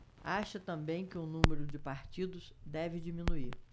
acha também que o número de partidos deve diminuir